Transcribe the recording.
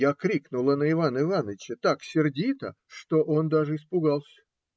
Я крикнула на Ивана Ивановича так сердито, что он даже испугался.